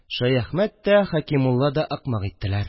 Шәяхмәт тә, Хәкимулла да ык-мык иттеләр